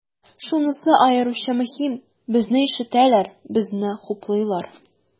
Шунысы аеруча мөһим, безне ишетәләр, безне хуплыйлар.